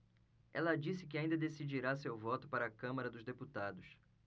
ela disse que ainda decidirá seu voto para a câmara dos deputados